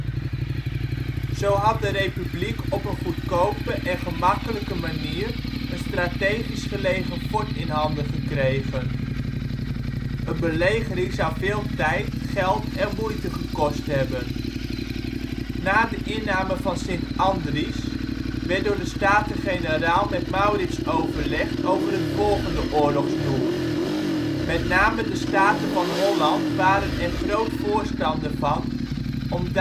Zo had de Republiek op een goedkope en gemakkelijke manier een strategisch gelegen fort in handen gekregen. Een belegering zou veel tijd, geld en moeite gekost hebben. Na de inname van St. Andries werd door de Staten-Generaal met Maurits overlegd over het volgende oorlogsdoel. Met name de Staten van Holland waren er groot voorstander van om